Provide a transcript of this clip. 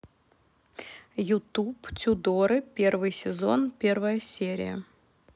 ютуб тюдоры первый сезон первая серия